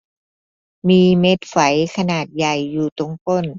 มีเม็ดไฝขนาดใหญ่อยู่ตรงก้น